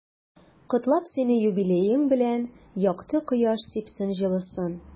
Котлап сине юбилеең белән, якты кояш сипсен җылысын.